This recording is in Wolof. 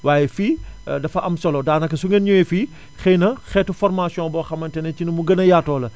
waaye fii dafa am solo daanaka su ngeen ñëwee fii xëy na xeetu formation boo xamante ne ci nu mu gën a yaatoo la